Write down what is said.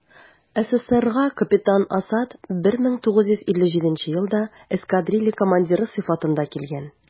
СССРга капитан Асад 1957 елда эскадрилья командиры сыйфатында килгән.